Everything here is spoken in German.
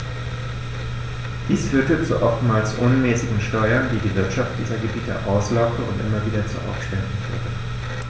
Dies führte zu oftmals unmäßigen Steuern, die die Wirtschaft dieser Gebiete auslaugte und immer wieder zu Aufständen führte.